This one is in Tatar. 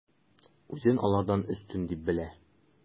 Үзен алардан өстен дип белә.